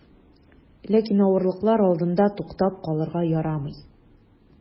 Ләкин авырлыклар алдында туктап калырга ярамый.